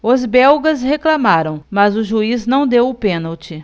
os belgas reclamaram mas o juiz não deu o pênalti